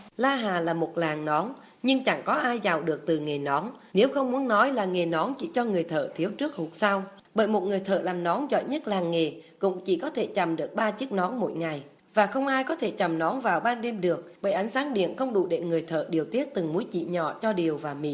la hà là một làng nón nhưng chẳng có ai giàu được từ nghề nón nếu không muốn nói là nghề nón chỉ cho người thợ thiếu trước hụt sau bởi một người thợ làm nón giỏi nhất làng nghề cũng chỉ có thể trầm được ba chiếc nón mỗi ngày và không ai có thể trầm nón vào ban đêm được bởi ánh sáng điện không đủ để người thợ điều tiết từng múi chỉ nhỏ cho đều và mịn